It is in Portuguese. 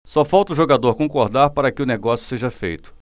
só falta o jogador concordar para que o negócio seja feito